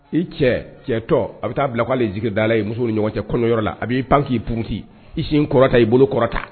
I cɛ cɛ tɔ a bɛ taa bila k'ale ye zikiridala ye musow ni ɲɔgɔn cɛ kɔnɔyɔrɔ la a b'i pan k'i puruti i sen kɔrɔta ii bolo kɔrɔta